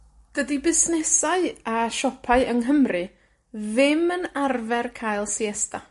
Dydi busnesau a siopau yng Nghymru ddim yn arfer cael siesta.